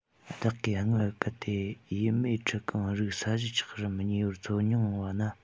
བདག གིས སྔར གལ ཏེ ཡུ མེད འཁྲིལ རྐང རིགས ས གཞི ཆགས རིམ གཉིས པར འཚོ མྱོང བ ན